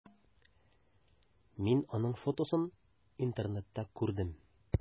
Мин аның фотосын интернетта күрдем.